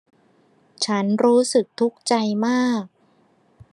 ฉันรู้สึกทุกข์ใจมาก